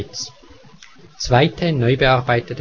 St.Gallerdeutsch